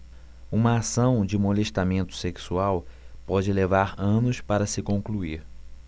uma ação de molestamento sexual pode levar anos para se concluir